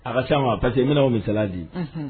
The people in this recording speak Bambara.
A pa parce que n bɛna o misala di